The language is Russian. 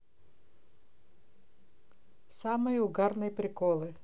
самые угарные приколы